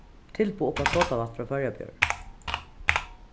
tilboð upp á sodavatn frá føroya bjór